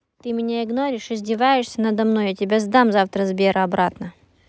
ты меня игноришь издеваешься надо мной я тебя сдам завтра сбера обратно